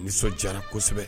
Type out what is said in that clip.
N sɔn jara kosɛbɛ